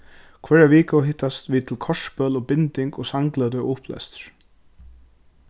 hvørja viku hittast vit til kortspøl og binding og sangløtu og upplestur